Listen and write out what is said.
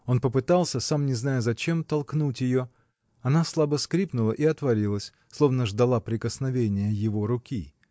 он попытался, сам не зная зачем, толкнуть ее: она слабо скрыпнула и отворилась, словно ждала прикосновения его руки.